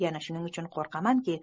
yana shuning uchun qo'rqamanki